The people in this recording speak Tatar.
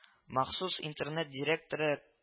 Махсус интернет директоры